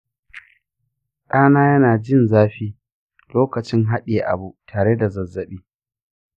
ɗana yana jin zafi lokacin haɗiye abu tare da zazzabi.